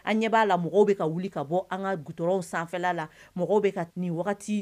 An ɲɛ b'a la mɔgɔw bɛ ka wuli ka bɔ an ka gw sanfɛ la mɔgɔw bɛ ka nin wagati